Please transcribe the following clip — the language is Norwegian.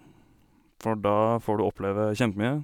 For da får du oppleve kjempemye.